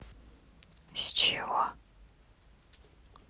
с чего